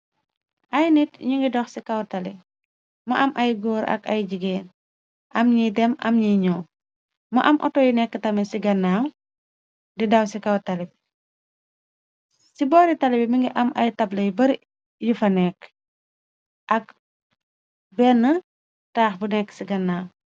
Ay nit ñu ngi dox ci kaw tali mo am ay góor ak ay jigéen am ñiy dem am ñiy ñyeoo mo am auto yu nekk tame ci gannaaw di daw ci kaw-talibi ci boori tali bi mi ngi am ay tabla yu bari yu fa nekk ak benn taax bu nekk ci gannaaw.